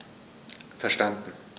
Verstanden.